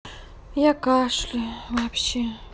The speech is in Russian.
я кашляю вообще